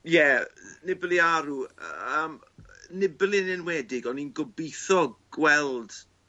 Ie Nibali Aru yy yym Nibali yn enwedig o'n i'n gobitho gweld